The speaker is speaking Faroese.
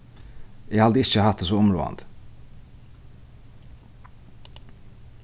eg haldi ikki at hatta er so umráðandi